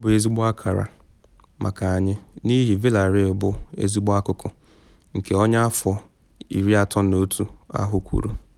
“Ọ bụ ezigbo akara maka anyị n’ihi Villareal bụ ezigbo akụkụ,” nke onye afọ 31 ahụ kwuru.